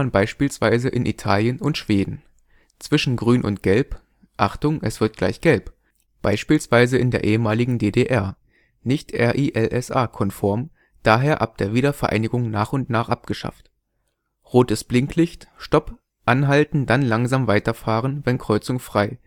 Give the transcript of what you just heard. beispielsweise in Italien und Schweden) Zwischen Grün und Gelb: Achtung, es wird gleich Gelb (beispielsweise in der ehemaligen DDR, nicht RiLSA-konform, daher ab der Wiedervereinigung nach und nach abgeschafft) Rotes Blinklicht: Stopp! Anhalten, dann langsam weiterfahren, wenn Kreuzung frei